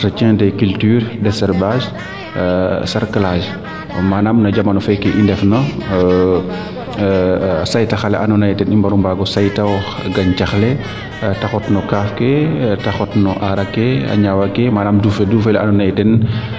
entretien des cultures des desherbage et sarclage manaan no jamano feeke i ndefna a saytaxa le andoo andonaye ten i mbaru say toox gaxcax te te xot no kaaf ke te xot no areke a ñawaake manaam dufe dufe le ando naye ten